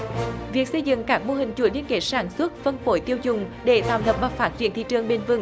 việc xây dựng các mô hình chuỗi liên kết sản xuất phân phối tiêu dùng để thâm nhập và phát triển thị trường bền vững